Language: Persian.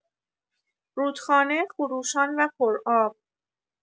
رودخانه خروشان و پرآب